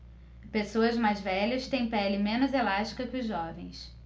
pessoas mais velhas têm pele menos elástica que os jovens